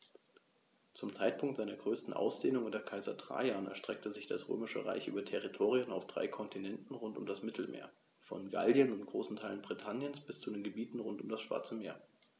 Zum Zeitpunkt seiner größten Ausdehnung unter Kaiser Trajan erstreckte sich das Römische Reich über Territorien auf drei Kontinenten rund um das Mittelmeer: Von Gallien und großen Teilen Britanniens bis zu den Gebieten rund um das Schwarze Meer.